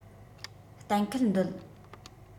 གཏན འཁེལ འདོད